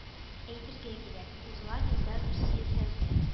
Әйтергә кирәк, узган елда Русия сәүдә